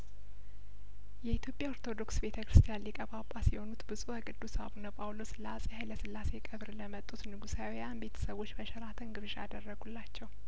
የኢትዮጵያ ኦርቶዶክስ ቤተ ክርስቲያን ሊቀ ጳጳስ የሆኑት ብጹእ ወቅዱስ አቡነ ጳውሎስ ለአጼ ሀይለስላሴ ቀብር ለመጡት ንጉሳውያን ቤተሰቦች በሸራተን ግብዣ አደረጉላቸው